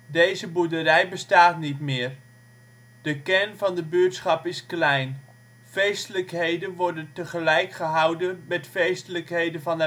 Deze boerderij bestaat niet meer. De kern van de buurtschap is klein. Feestelijkheden worden tegelijk gehouden met feestelijkheden van